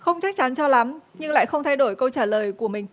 không chắc chắn cho lắm nhưng lại không thay đổi câu trả lời của mình